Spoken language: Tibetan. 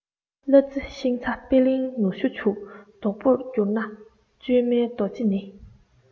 གླ རྩི ཤིང ཚ པི ལིང ནུ ཞོ བྱུག དོག པོར གྱུར ན བཅོས མའི རྡོ རྗེ ནི